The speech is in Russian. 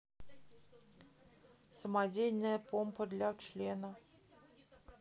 самодельная помпа для члена